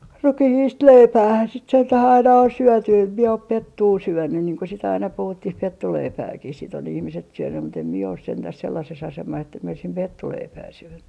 rukiista leipäähän sitä sentään aina on syöty en minä ole pettua syönyt niin kuin sitä aina puhuttiin pettuleipääkin sitten on ihmiset syönyt mutta en minä ole sentään sellaisessa asemassa että minä olisin pettuleipää syönyt